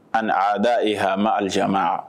A a dayi hama alisa